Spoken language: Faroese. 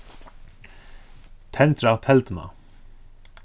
tendra telduna